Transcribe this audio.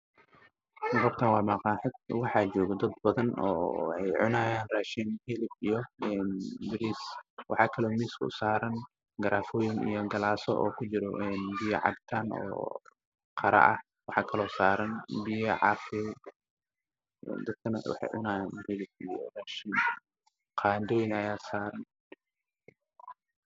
Halkaan waxaa ka muuqdo rag cunto cunaayo oo iska soo horjeeda miis guduudan ayey cuntada u saaran tahay